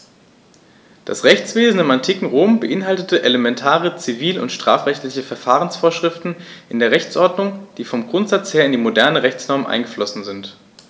Das Rechtswesen im antiken Rom beinhaltete elementare zivil- und strafrechtliche Verfahrensvorschriften in der Rechtsordnung, die vom Grundsatz her in die modernen Rechtsnormen eingeflossen sind.